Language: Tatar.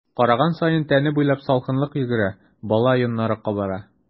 Караган саен тәне буйлап салкынлык йөгерә, бала йоннары кабара.